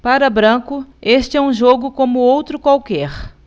para branco este é um jogo como outro qualquer